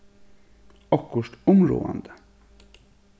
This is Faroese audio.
okkurt umráðandi